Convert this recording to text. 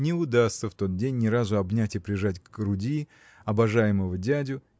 не удастся в тот день ни разу обнять и прижать к груди обожаемого дядю